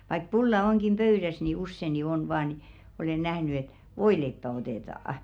vaikka pulla onkin pöydässä niin usein niin on vain niin olen nähnyt että voileipää otetaan